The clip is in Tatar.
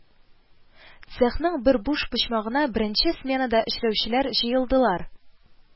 Цехның бер буш почмагына беренче сменада эшләүчеләр җыелдылар